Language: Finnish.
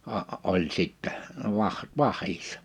- oli sitten - vähissä